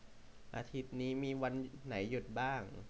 อาทิตย์นี้มีวันไหนหยุดบ้าง